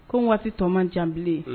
Comme waati tɔ man jan bilen.